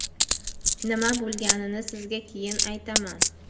nima bo'lganini sizga keyin aytaman